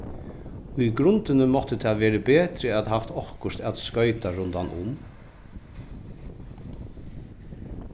í grundini mátti tað verið betri at havt okkurt at skoyta rundanum